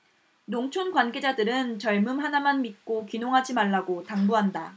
농촌 관계자들은 젊음 하나만 믿고 귀농하지 말라고 당부한다